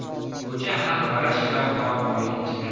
ko'cha ham g'ira shira qorong'ulik ichida